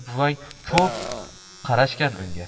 buvang ko'p qarashgan unga